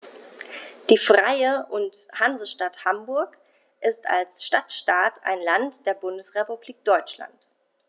Die Freie und Hansestadt Hamburg ist als Stadtstaat ein Land der Bundesrepublik Deutschland.